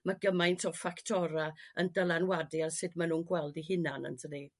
ma' gymaint o ffactora' yn dylanwadu ar sud ma' nhw'n gweld 'u hunain yntydi?